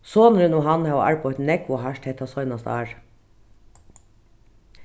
sonurin og hann hava arbeitt nógv og hart hetta seinasta árið